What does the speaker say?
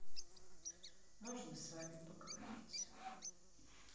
можно с вами поговорить